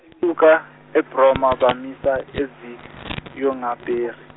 suka Ebroma bamisa Eziyongabheri.